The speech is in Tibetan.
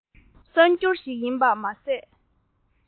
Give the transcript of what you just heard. གསར འགྱུར ཞིག ཡིན པ མ ཟད